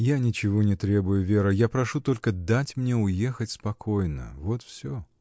— Я ничего не требую, Вера, я прошу только дать мне уехать спокойно: вот всё!